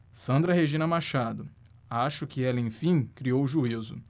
sandra regina machado acho que ela enfim criou juízo